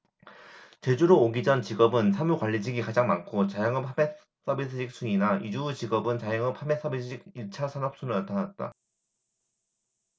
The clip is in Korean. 제주로 오기 전 직업은 사무 관리직이 가장 많고 자영업 판매 서비스직 순이나 이주 후 직업은 자영업 판매 서비스직 일 차 산업 순으로 나타났다